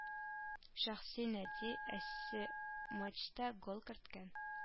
Шәхси нәти әсе матчта гол керткән